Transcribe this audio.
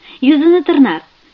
yuzini tirnar